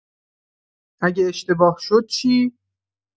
اگه اشتباه شد چی؟